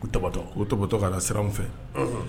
U totɔ u totɔ k'a ka siranw fɛ